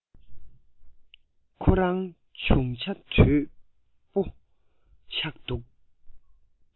ཁོ རང བྱང ཆ དོད པོ ཆགས འདུག